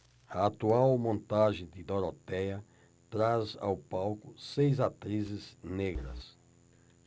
a atual montagem de dorotéia traz ao palco seis atrizes negras